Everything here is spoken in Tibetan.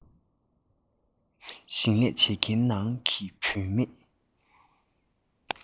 ཞིང ལས བྱེད མཁན ནང གི བུ མེད